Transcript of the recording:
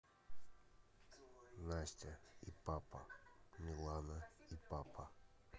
настя и папа милана и папа